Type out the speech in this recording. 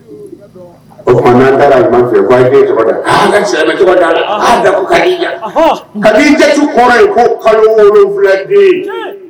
O taara fɛ ko kalo den